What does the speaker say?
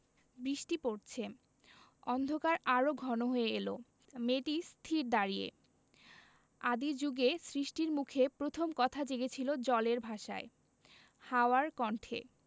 বৃষ্টি পরছে অন্ধকার আরো ঘন হয়ে এল মেয়েটি স্থির দাঁড়িয়ে আদি জুগে সৃষ্টির মুখে প্রথম কথা জেগেছিল জলের ভাষায় হাওয়ার কণ্ঠে